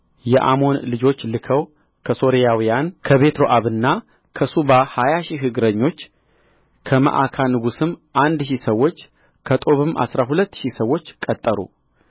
የአሞን ልጆች ልከው ከሶርያውያን ከቤትሮዖብና ከሱባ ሀያ ሺህ እግረኞች ከመዓካ ንጉሥም አንድ ሺህ ሰዎች ከጦብም አሥራ ሁለት ሺህ ሰዎች ቀጠሩ